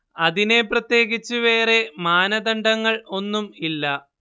അതിനെ പ്രത്യേകിച്ച് വേറേ മാനദണ്ഡങ്ങൾ ഒന്നും ഇല്ല